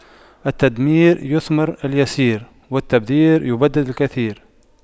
التدبير يثمر اليسير والتبذير يبدد الكثير